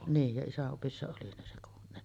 niin ja isän opissa oli niin se